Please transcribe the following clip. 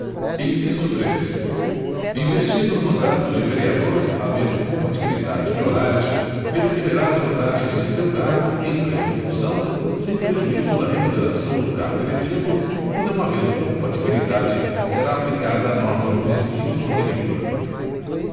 inciso três investido no mandato de vereador havendo compatibilidade de horários perceberá as vantagens de seu cargo emprego ou função sem prejuízo da remuneração do cargo eletivo e não havendo compatibilidade será aplicada a norma do inciso anterior